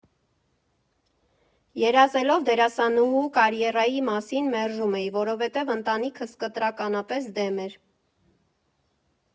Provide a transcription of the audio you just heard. Երազելով դերասանուհու կարիերայի մասին՝ մերժում էի, որովհետև ընտանիքս կտրականապես դեմ էր։